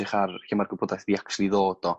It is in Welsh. edrych ar lle ma'r gwybodaeth 'di actually dod o